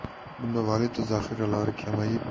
bunda valyuta zaxiralari kamayib